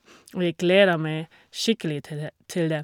Og jeg gleder meg skikkelig te det til det.